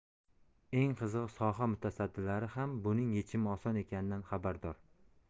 eng qizig'i soha mutasaddilari ham buning yechimi oson ekanidan xabardor